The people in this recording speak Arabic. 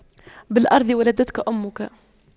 بالأرض ولدتك أمك